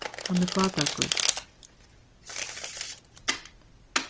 hann er fátækur